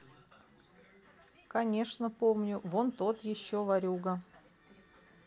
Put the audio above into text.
конечно помню вон тот еще ворюга